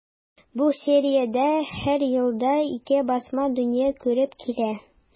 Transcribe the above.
Бу сериядә һәр елда ике басма дөнья күреп килә.